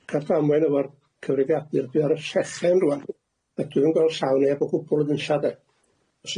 dwi 'di ca'l damwain efo'r cyfrifiadur dwi ar y llechen rŵan a dwi'm yn gwel' llaw neb o gwbwl yn nunlla de.